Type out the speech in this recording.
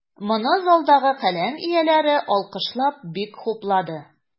Моны залдагы каләм ияләре, алкышлап, бик хуплады.